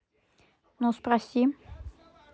ну спроси